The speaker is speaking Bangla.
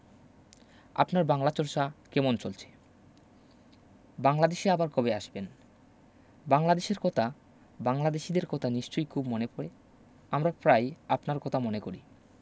আপনার বাংলা চর্চা কেমন চলছে বাংলাদেশে আবার কবে আসবেন বাংলাদেশের কতা বাংলাদেশীদের কতা নিশ্চয় খুব মনে পরে আমরা প্রায়ই আপনারর কতা মনে করি